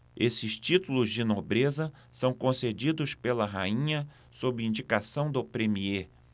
esses títulos de nobreza são concedidos pela rainha sob indicação do premiê